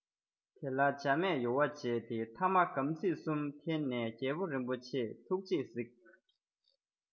དེ ལ འཇག མས ཡུ བ བྱས ཏེ ཐ མ སྒམ ཙིག གསུམ འཐེན ནས རྒྱལ པོ རིན པོ ཆེ ཐུགས རྗེས གཟིགས